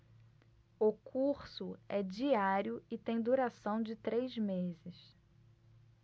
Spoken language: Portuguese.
o curso é diário e tem duração de três meses